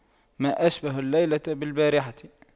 ما أشبه الليلة بالبارحة